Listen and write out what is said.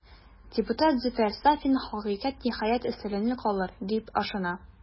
Депутат Зөфәр Сафин, хакыйкать, ниһаять, өстенлек алыр, дип ышана.